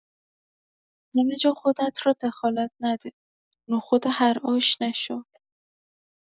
همه جا خودت را دخالت نده، نخود هر آش نشو.